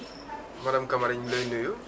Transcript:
madame Camara ñu ngi lay nuyu